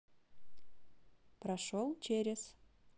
прошел через